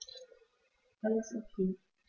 Alles OK.